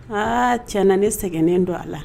Haaa cɛna ne sɛgɛnnen do Ala